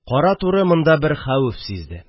Кара туры монда бер хәвеф сизде